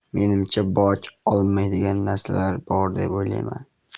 menimcha boj olinmaydigan narsalar bor deb o'ylayman